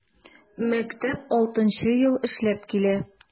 Мәктәп 6 нчы ел эшләп килә.